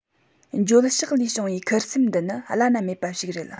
འགྱོད བཤགས ལས བྱུང བའི ཁུར སེམས འདི ནི བླ ན མེད པ ཞིག རེད